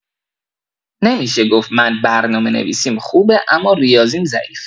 نمی‌شه گفت من برنامه نویسیم خوبه اما ریاضیم ضعیف!